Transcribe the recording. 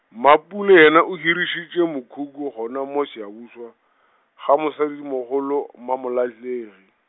Mapule yena o hirišitše mokhukhu gona mo Siyabuswa , ga mosadimogolo Mmamolahlegi.